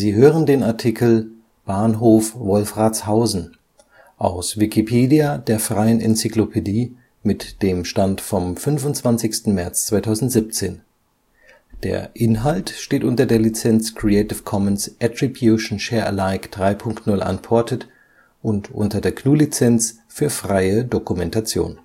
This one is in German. hören den Artikel Bahnhof Wolfratshausen, aus Wikipedia, der freien Enzyklopädie. Mit dem Stand vom Der Inhalt steht unter der Lizenz Creative Commons Attribution Share Alike 3 Punkt 0 Unported und unter der GNU Lizenz für freie Dokumentation